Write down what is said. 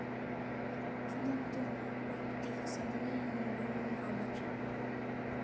Կինոն տոն է, որ պիտի հասանելի լինի բոլորի համար։